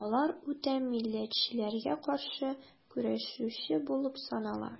Алар үтә милләтчеләргә каршы көрәшүче булып санала.